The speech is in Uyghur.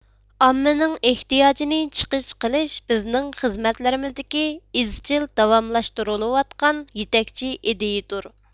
ئاممىنىڭ ئېھتىياجىنى چىقىش قىلىش بىزنىڭ خىزمەتلىرىمىزدىكى ئىزچىل داۋاملشتۇرۇلۇۋاتقان يېتەكچى ئىدىيىدۇر